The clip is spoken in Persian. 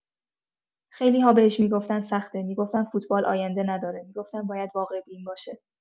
خیلی‌ها بهش می‌گفتن سخته، می‌گفتن فوتبال آینده نداره، می‌گفتن باید واقع‌بین باشه.